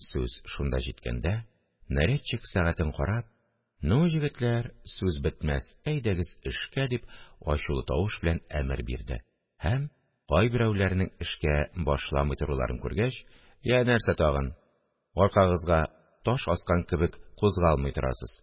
Сүз шунда җиткәндә, нарядчик, сәгатен карап: – Ну, җегетләр, сүз бетмәс, әйдәгез эшкә! – дип, ачулы тавыш белән әмер бирде һәм, кайберәүләрнең эшкә башламый торуларын күргәч: – Йә, нәрсә тагын, аркагызга таш аскан кебек, кузгалмый торасыз?